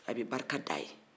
a bɛ barika da